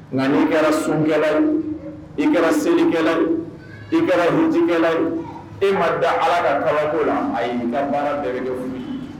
Nka' kɛra sunkɛ i kɛra selikɛla ye i kɛra hkɛ e ma da ala ka kalako la a ye baara bɛɛgɛ min ye